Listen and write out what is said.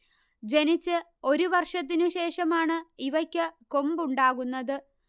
ജനിച്ച് ഒരുവർഷത്തിനുശേഷമാണ് ഇവയ്ക്ക് കൊമ്പ് ഉണ്ടാകുന്നത്